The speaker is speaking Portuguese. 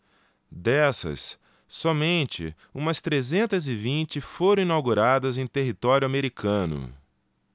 dessas somente umas trezentas e vinte foram inauguradas em território americano